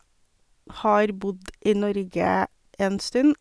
Har bodd i Norge en stund.